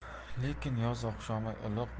lekin yoz oqshomi iliq bo'lganligi